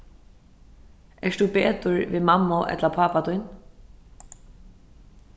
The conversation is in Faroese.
ert tú betur við mammu ella pápa tín